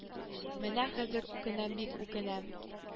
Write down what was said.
Менә хәзер үкенәм бик үкенәм